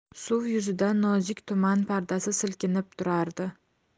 suv yuzida nozik tuman pardasi silkinib turardi